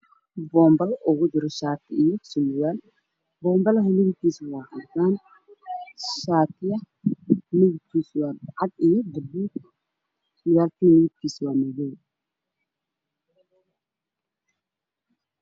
Waa boonbale uu ku jiro shaati ga midabkiisu yahay cadaan madow boom balaha midafkiisa waa caddaan darbi cadaan ayaa ka dambeeyo